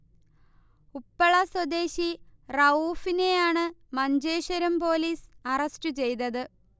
ഉപ്പള സ്വദേശി റഊഫിനെയാണ് Manjeshwaram police arrest ചെയ്തത്